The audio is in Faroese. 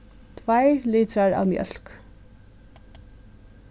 tveir litrar av mjólk